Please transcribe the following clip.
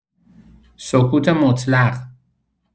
سکوت مطلق